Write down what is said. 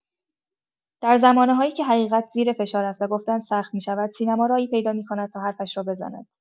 در زمانه‌هایی که حقیقت زیر فشار است و گفتن سخت می‌شود، سینما راهی پیدا می‌کند تا حرفش را بزند.